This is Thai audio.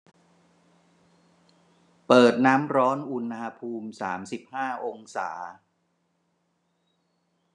เปิดน้ำร้อนอุณหภูมิสามสิบห้าองศา